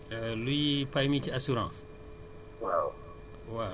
luy pay mi ci assurance